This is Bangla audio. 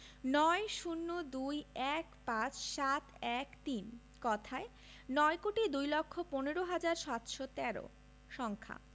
৯ ০২ ১৫ ৭১৩ কথায়ঃ নয় কোটি দুই লক্ষ পনেরো হাজার সাতশো তেরো সংখ্যা